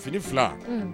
Fini fila